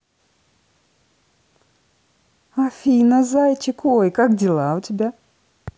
афина зайчик ой как дела у тебя